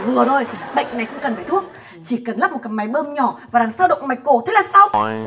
vừa thôi bệnh này không cần thuốc chỉ cần lắp một cái máy bơm nhỏ vào đằng sau động mạch cổ thế là xong